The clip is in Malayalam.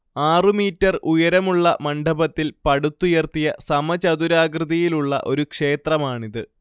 ആറുമീറ്റർ ഉയരമുള്ള മണ്ഡപത്തിൽ പടുത്തുയർത്തിയ സമചതുരാകൃതിയിലുള്ള ഒരു ക്ഷേത്രമാണിത്